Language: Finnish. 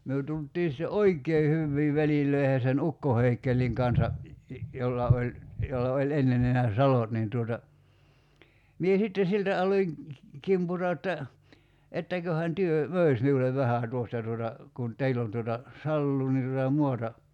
me tultiin sitten oikein hyviin väleihin sen ukko Heikelin kanssa jolla oli jolla oli ennen niin nämä salot niin tuota minä sitten siltä aloin kimpuroida jotta etteköhän te möisi minulle vähän tuosta tuota kun teillä on tuota saloa niin tuota maata